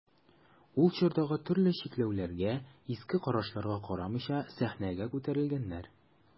Ул чордагы төрле чикләүләргә, иске карашларга карамыйча сәхнәгә күтәрелгәннәр.